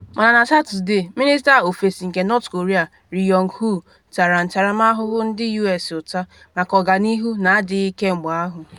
Mana na Satọde, Minista Ofesi nke North Korea Ri Yong-ho tara ntaramahụhụ ndị US ụta maka ọganihu na adịghị kemgbe ahụ.